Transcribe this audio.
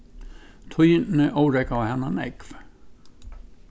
tíðindini órógvaðu hana nógv